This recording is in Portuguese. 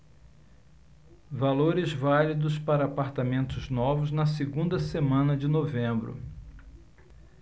valores válidos para apartamentos novos na segunda semana de novembro